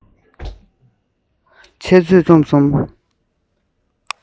འཆད རྩོད རྩོམ གསུམ